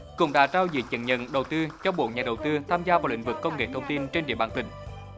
cũng đã trao giấy chứng nhận đầu tư cho bốn nhà đầu tư tham gia vào lĩnh vực công nghệ thông tin trên địa bàn tỉnh